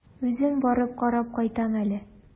Үзем барып карап кайтам әле.